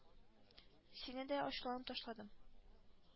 Сине дә ачуланып ташладым.